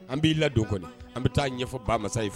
An b'i ladon kɔnɔ an bɛ taa ɲɛfɔbamasa ye fɛ